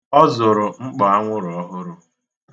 Ọ zụrụ mkpọ anwụrụ ọhụrụ.